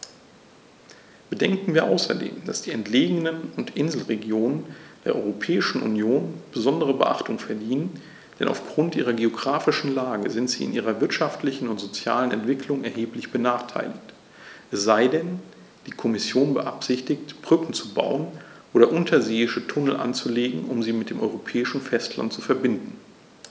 Bedenken wir außerdem, dass die entlegenen und Inselregionen der Europäischen Union besondere Beachtung verdienen, denn auf Grund ihrer geographischen Lage sind sie in ihrer wirtschaftlichen und sozialen Entwicklung erheblich benachteiligt - es sei denn, die Kommission beabsichtigt, Brücken zu bauen oder unterseeische Tunnel anzulegen, um sie mit dem europäischen Festland zu verbinden.